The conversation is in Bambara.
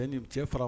Ne ni cɛ fara